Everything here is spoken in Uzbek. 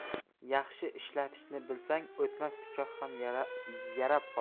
yaxshi ishlatishni bilsang o'tmas pichoq ham yarab qoladi